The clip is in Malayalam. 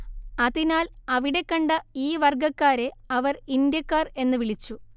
അതിനാൽ അവിടെ കണ്ട ഈ വർഗ്ഗക്കാരെ അവർ ഇന്ത്യക്കാർ എന്ന് വിളിച്ചു